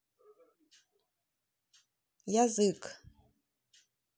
язык